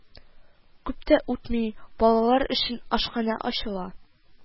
Күп тә үтми, балалар өчен ашханә ачыла